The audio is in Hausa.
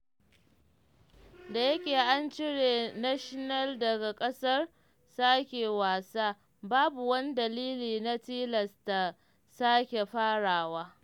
Da yake an cire Nationals daga gasar sake wasa, babu wani dalili na tilasta sake farawa.